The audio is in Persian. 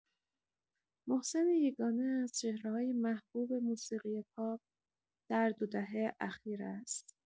محسن یگانه از چهره‌های محبوب موسیقی پاپ در دو دهه اخیر است.